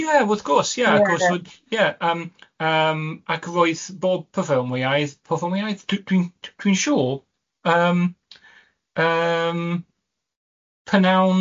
Ie wrth gwrs ie... Ie yn de. ...wrth gwrs ie yym yym ac roedd bob perfformwyaeth perfformwyaeth dwi dwi'n dwi'n siŵr yym yym pynawn